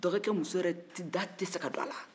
dɔgɔkɛ muso da tɛ se ka don a la yɛrɛ